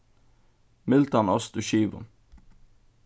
mildan ost í skivum